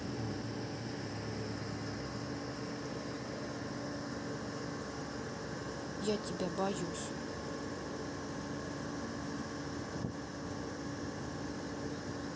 я тебя боюсь